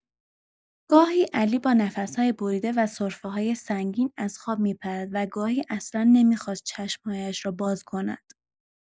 گاهی علی با نفس‌های بریده و سرفه‌های سنگین از خواب می‌پرید و گاهی اصلا نمی‌خواست چشم‌هایش را باز کند.